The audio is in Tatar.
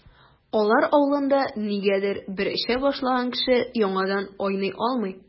Алар авылында, нигәдер, бер эчә башлаган кеше яңадан айный алмый.